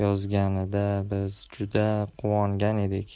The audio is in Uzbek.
yozganida biz juda quvongan edik